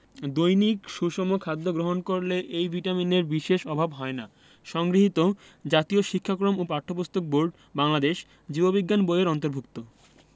দৈনিক সুষম খাদ্য গ্রহণ করলে এই ভিটামিনের বিশেষ অভাব হয় না সংগৃহীত জাতীয় শিক্ষাক্রম ও পাঠ্যপুস্তক বোর্ড বাংলাদেশ জীব বিজ্ঞান বই এর অন্তর্ভুক্ত